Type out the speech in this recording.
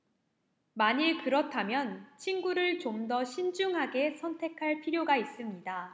만일 그렇다면 친구를 좀 더 신중하게 선택할 필요가 있습니다